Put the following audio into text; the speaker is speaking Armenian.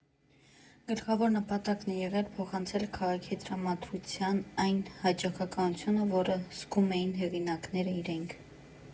Գլխավոր նպատակն է եղել փոխանցել քաղաքի տրամադրության այն հաճախականությունը, որը զգում են հեղինակներն իրենք.